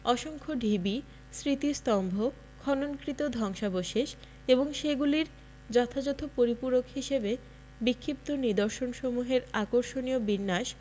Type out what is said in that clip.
অসংখ্য ঢিবি স্মৃতিস্তম্ভ খননকৃত ধ্বংসাবশেষ এবং সেগুলির যথাযথ পরিপূরক হিসেবে বিক্ষিপ্ত নিদর্শনসমূহের আকর্ষণীয় বিন্যাস